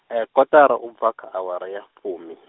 kotara u bva kha awara ya fumi.